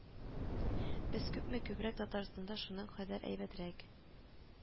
Без күпме күбрәк, Татарстанга шуның кадәр әйбәтрәк